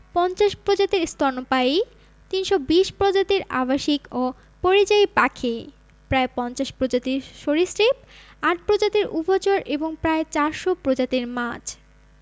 ৫০ প্রজাতির স্তন্যপায়ী ৩২০ প্রজাতির আবাসিক ও পরিযায়ী পাখি প্রায় ৫০ প্রজাতির সরীসৃপ ৮ প্রজাতির উভচর এবং প্রায় ৪০০ প্রজাতির মাছ